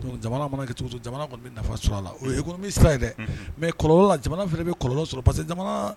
Non jamana mana kɛ cogo cogo jamana kɔni be nafa sɔr'a la o ye économie sira ye dɛ unhun mais kɔlɔlɔ la jamana fɛnɛ be kɔlɔlɔ sɔrɔ parce que jamanaa